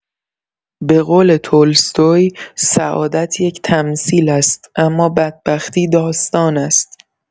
به قول تولستوی سعادت یک تمثیل است، اما بدبختی داستان است.